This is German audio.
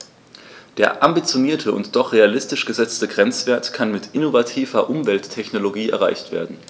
Der ambitionierte und doch realistisch gesetzte Grenzwert kann mit innovativer Umwelttechnologie erreicht werden.